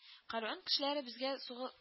Кәрван кешеләре безгә сугыл